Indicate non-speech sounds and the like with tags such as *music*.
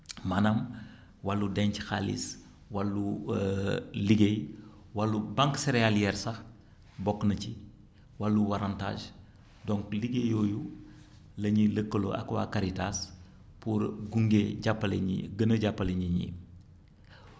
*smacks lips* maanaam wàllu denc xaalis wàllu *hesitation* liggéey wàllu banque céréaliaire sax bokk na ci wàllu * donc liggéey yooyu la ñuy lëkkaloo ak waa Caritas pour gunge jàppale ñi gën a jàppale nit ñi